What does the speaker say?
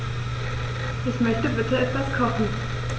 Ich möchte bitte etwas kochen.